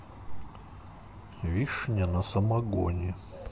вишня на самогоне